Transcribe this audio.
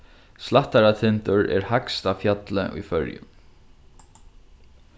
slættaratindur er hægsta fjallið í føroyum